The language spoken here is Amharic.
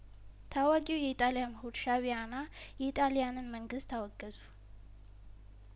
ታዋቂው የኢጣሊያምሁር ሻእቢያና የኢጣሊያንን መንግስት አወገዙ